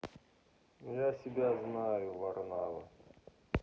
я себя знаю варнава